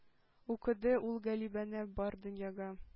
Укыды ул галибанә бар дөньяга.